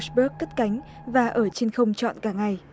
buốc cất cánh và ở trên không trọn cả ngày